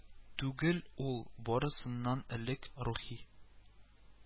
Түгел, ул, барысыннан элек, рухи